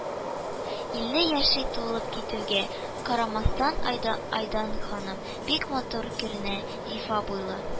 Илле яши тулып китүгә карамастан, Айдан ханым бик матур күренә, зифа буйлы